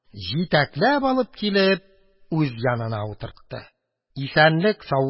Җитәкләп алып килеп, үз янына утыртты.